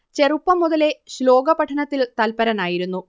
ചെറുപ്പം മുതലേ ശ്ലോക പഠനത്തിൽ തൽപരനായിരുന്നു